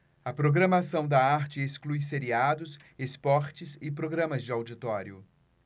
a programação da arte exclui seriados esportes e programas de auditório